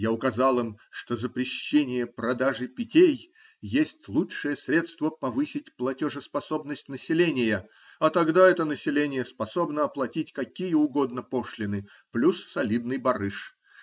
Я указал им, что запрещение продажи питей есть лучшее средство повысить платежеспособность населения, а тогда это население способно оплатить какие угодно пошлины плюс солидный барыш.